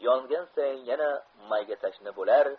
yongan sayin yana mayga tashna bo'lar